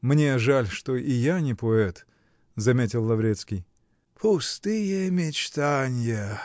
-- Мне жаль, что и я не поэт, -- заметил Лаврецкий. -- Пустые мечтанья!